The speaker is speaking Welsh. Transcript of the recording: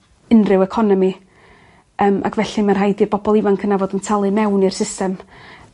unrhyw economi yym ac felly ma' rhaid i'r bobol ifanc yna fod yn talu mewn i'r system.